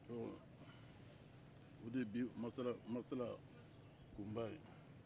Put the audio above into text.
ɔ o de ye bi masala kun ba ye